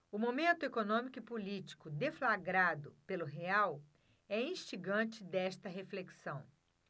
o momento econômico e político deflagrado pelo real é instigante desta reflexão